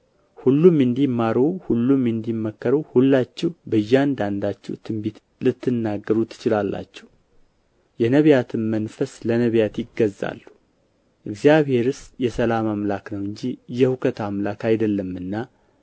ሁሉም እንዲማሩ ሁሉም እንዲመከሩ ሁላችሁ በእያንዳንዳችሁ ትንቢት ልትናገሩ ትችላላችሁ የነቢያትም መናፍስት ለነቢያት ይገዛሉ እግዚአብሔርስ የሰላም አምላክ ነው እንጂ የሁከት አምላክ አይደለምና